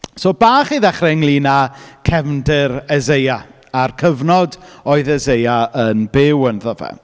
So bach i ddechrau ynglyn â cefndir Eseia, a'r cyfnod oedd Eseia yn byw ynddo fe.